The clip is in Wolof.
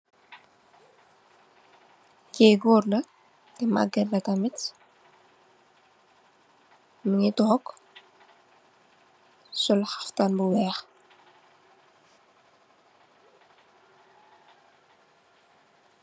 Kii goor la, ta maget la tamit mungi tok sol khaftan bu weex.